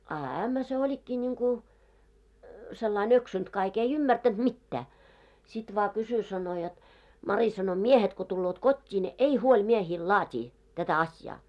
a ämmä se olikin niin kuin sellain eksynyt kaikki ei ymmärtänyt mitään sitten vain kysyi sanoi jotta Mari sanoi miehet kun tulevat kotiin ne ei huoli miehille laatia tätä asiaa